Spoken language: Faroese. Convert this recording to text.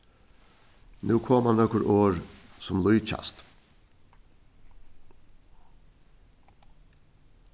nú koma nøkur orð sum líkjast